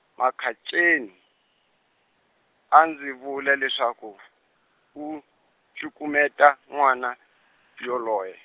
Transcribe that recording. Mukhacani, a ndzi vula leswaku , u, cukumeta n'wana, yoloye.